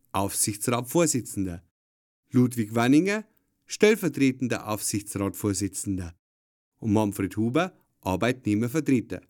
Aufsichtsratsvorsitzender), Ludwig Wanninger (stellvertretender Aufsichtsratsvorsitzender) und Manfred Huber (Arbeitnehmervertreter